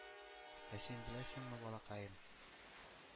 — ә син беләсеңме, балакаем,